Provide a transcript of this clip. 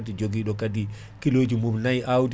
jooguiɗo kaadi kilo ji mum naayi awdi